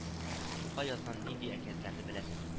Тукай язган нинди әкиятләрне беләсең